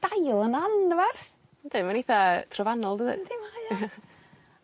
Dail yn anfarth! Yndi mae'n eitha trofannol dydi? Yndi mae o!